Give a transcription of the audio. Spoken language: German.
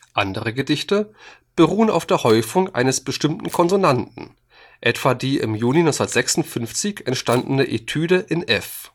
Andere Gedichte beruhen auf der Häufung eines bestimmten Konsonanten, etwa die im Juni 1956 entstandene etüde in f.